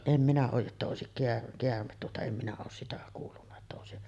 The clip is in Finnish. en minä ole jotta olisi - käärme tuota en minä ole sitä kuullut että olisi